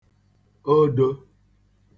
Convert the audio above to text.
odō